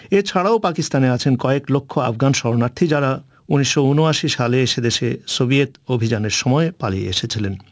এ ছাড়াও পাকিস্তানে আছেন কয়েক লক্ষ আফগান শরণার্থী যারা উনিশো উনআশি সালে এসে দেশে সোভিয়েত অভিযানের সময় পালিয়ে এসেছিলেন